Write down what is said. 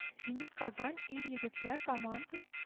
Зенит-Казань ир-егетләр команда